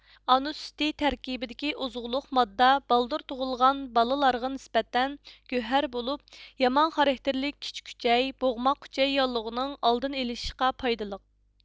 ئانا سۈتى تەركىبىدىكى ئوزۇقلۇق ماددىدا بالدۇر تۇغۇلغان بالىلارغا نىسبەتەن گۆھەر بولۇپ يامان خاراكتېرلىك كىچىك ئۈچەي بوغماق ئۈچەي ياللۇغىنىڭ ئالدىنى ئېلىشقا پايدىلىق